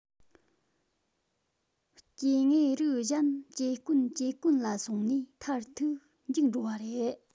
སྐྱེ དངོས རིགས གཞན ཇེ དཀོན ཇེ དཀོན ལ སོང ནས མཐར ཐུག འཇིག འགྲོ བ རེད